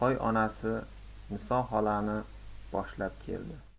onasi niso xolani boshlab keldi